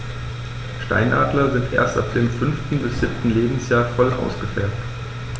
Steinadler sind erst ab dem 5. bis 7. Lebensjahr voll ausgefärbt.